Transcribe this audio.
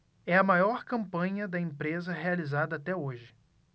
é a maior campanha da empresa realizada até hoje